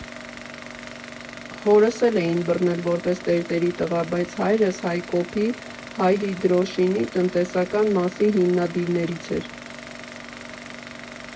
Հորս էլ էին բռնել՝ որպես տերտերի տղա, բայց հայրս հայկոպի, հայհիդրոշինի տնտեսական մասի հիմնադիրներից էր։